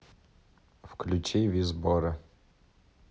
включи визбора